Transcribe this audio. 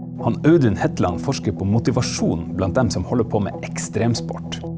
han Audun Hetland forsker på motivasjon blant dem som holder på med ekstremsport.